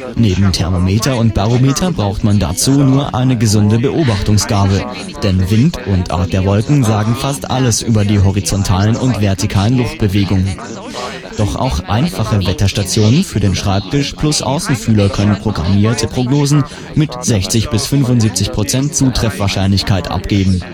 Neben Thermometer und Barometer braucht man dazu nur eine „ gesunde Beobachtungsgabe “- denn Wind und Art der Wolken sagen fast alles über die horizontalen und vertikalen Luftbewegungen. Doch auch „ einfache Wetterstationen “für den Schreibtisch plus Außenfühler können programmierte Prognosen mit 60-75 % Zutreffenswahrscheinlichkeit abgeben